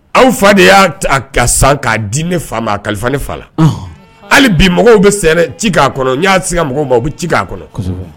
Aw fa de y'a ka san k'a di ne fa ma kalifa ne fa la hali bi mɔgɔw bɛ sɛnɛ ci k'a kɔnɔ n y'a sigi mɔgɔw ma u bɛ ci k' aa kɔnɔ